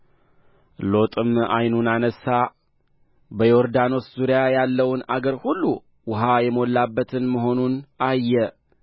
እግዚአብሔር ሰዶምንና ገሞራን ከማጥፋቱ አስቀድሞ እስከ ዞዓር ድረስ እንደ እግዚአብሔር ገነት በግብፅ ምድር አምሳል ነበረ